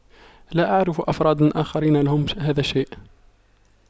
لا اعرف أفراد آخرين لهم هذا الشيء